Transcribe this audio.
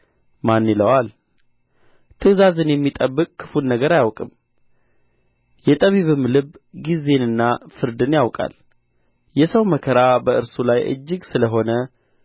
ማን ይለዋል ትእዛዝን የሚጠብቅ ክፉን ነገር አያውቅም የጠቢብም ልብ ጊዜንና ፍርድን ያውቃል የሰው መከራ በእርሱ ላይ እጅግ ስለ ሆነ